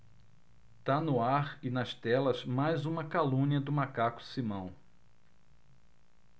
tá no ar e nas telas mais uma calúnia do macaco simão